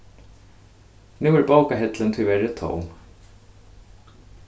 nú er bókahillin tíverri tóm